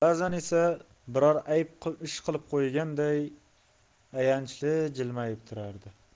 ba'zan esa biron ayb ish qilib qo'ygandek ayanchli jilmayib turardi